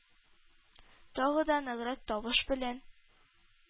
Тагы да ныграк тавыш белән: